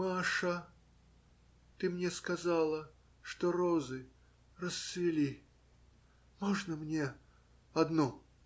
- Маша, ты мне сказала, что розы расцвели! Можно мне. одну?